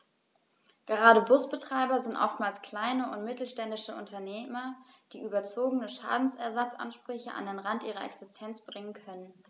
Gerade Busbetreiber sind oftmals kleine und mittelständische Unternehmer, die überzogene Schadensersatzansprüche an den Rand ihrer Existenz bringen können.